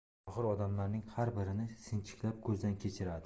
tohir odamlarning har birini sinchiklab ko'zdan kechiradi